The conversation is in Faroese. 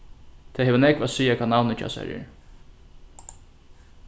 tað hevur nógv at siga hvat navnið hjá sær er